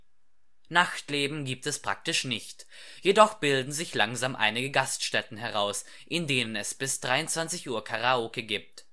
Nachtleben gibt es praktisch nicht. Jedoch bilden sich langsam einige Gaststätten heraus, in denen es bis 23 Uhr Karaoke gibt